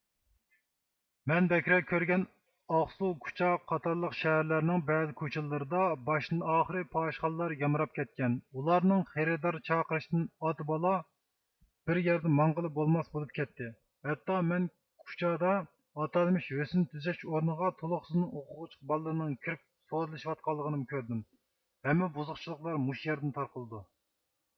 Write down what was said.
مەن بەكرەك كۆرگەن ئاقسۇ كۇچا قاتارلىق شەھەرلەرنىڭ بەزى كوچىلىردا باشتن ئاخىرى پاھىشخانىلار يامراپ كەتكەن ئۇلارنڭ خېرىدار چاقىرشىدىن ئاتا بالا بىر يەردە ماڭغىلى بولماس بولۇپ كەتتى ھەتتا مەن كۇچادا ئاتالمىش ھۆسىن تۈزەش ئورنىغا تولۇقسزنىڭ ئوقۇغۇچى بالىلىرىنىڭ كىرىپ سودىلىشىۋاتقانلىقىمۇ كۆردۈم ھەممە بۇزۇقچىلىقلار موشۇ يەردىن تارقىلدۇ